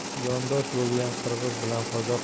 jondosh bo'lgan qirg'iz bilan qozoq